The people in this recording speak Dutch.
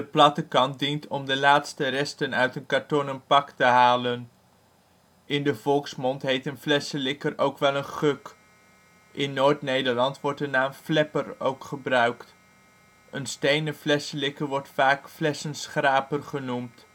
platte kant dient om de laatste resten uit een kartonnen pak te halen. In de volksmond heet een flessenlikker ook wel een guk. In Noord-Nederland wordt de naam ' flepper ' ook gebruikt. Een stenen flessenlikker wordt vaak flessenschraper genoemd